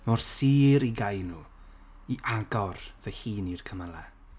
mor sur i gau nhw i agor fy hun i'r cymylau.